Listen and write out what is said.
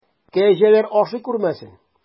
Кәҗәләр ашый күрмәсен!